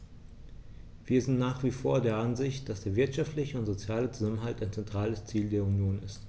Wir sind nach wie vor der Ansicht, dass der wirtschaftliche und soziale Zusammenhalt ein zentrales Ziel der Union ist.